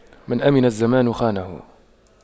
من أَمِنَ الزمان خانه